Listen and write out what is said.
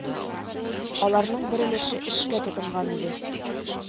Алар-ның бер өлеше эшкә тотынган инде